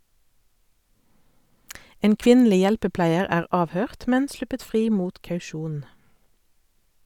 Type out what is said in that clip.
En kvinnelig hjelpepleier er avhørt, men sluppet fri mot kausjon.